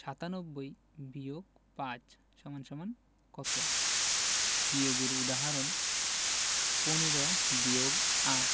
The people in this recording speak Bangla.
৯৭-৫ = কত বিয়োগের উদাহরণঃ ১৫ – ৮ = ৭